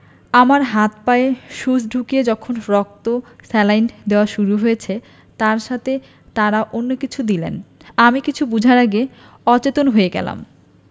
আমার হাতে পায়ে সুচ ঢুকিয়ে তখন রক্ত স্যালাইন দেওয়া শুরু হয়েছে তার সাথে তারা অন্য কিছু দিলেন আমি কিছু বোঝার আগে অচেতন হয়ে গেলাম